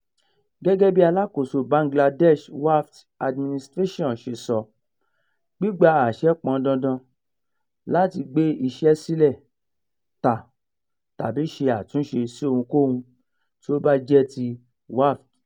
Gẹ́gẹ́ bí alákòóso Bangladesh Waqf Administratioń ṣe sọ, gbígba àṣẹ pọn dandan láti gbé iṣẹ́ sílẹ̀, tà tàbí ṣe àtúnṣe sí ohunkóhun tí ó bá jẹ́ ti Waqf.